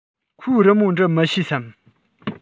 ཁོས རི མོ འབྲི མི ཤེས སམ